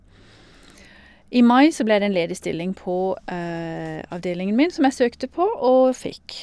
I mai så ble det en ledig stilling på avdelingen min, som jeg søkte på, og fikk.